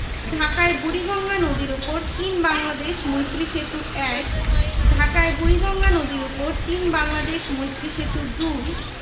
মাথাপিছু আয়ঃ ২০০৯ ১০ অর্থবছরের তথ্য অনুসারে ৭৫০ মার্কিন ডলার পরিবহণ ও যোগাযোগঃ পাকা সড়কপথ ১০হাজার কিলোমিটার